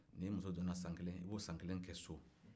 i muso donna san kelen i b'o san kelen k ɛ so